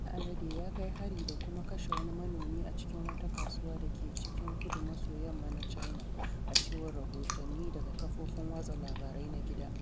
Wani alade ya kai hari da kuma kashe wani manomi a cikin wata kasuwa da ke cikin kudu-maso-yamma na China, a cewar rahotanni daga kafofin watsa labarai na gida.